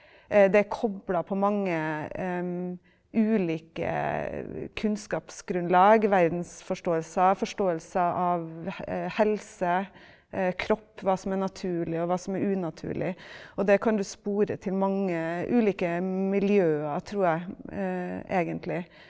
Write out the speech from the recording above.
det er kobla på mange ulike kunnskapsgrunnlag, verdensforståelser, forståelser av helse, kropp, hva som er naturlig og hva som er unaturlig, og det kan du spore til mange ulike miljøer tror jeg egentlig.